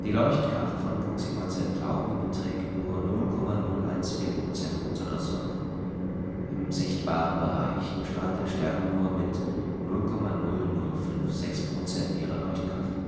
Leuchtkraft von Proxima Centauri beträgt nur 0,014 % unserer Sonne; im sichtbaren Bereich strahlt der Stern nur mit 0,0056 % ihrer Leuchtkraft